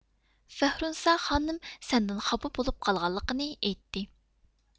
فەھرونىسا خانىم سەندىن خاپا بولۇپ قالغانلىقىنى ئېيتتى